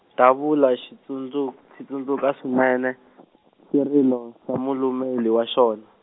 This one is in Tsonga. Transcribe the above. Davula xi tsundzu- xi tsundzuka swinene, xirilo xa malume li wa xona.